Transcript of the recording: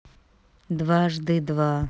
дважды два